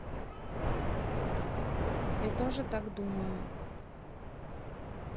я тоже так думаю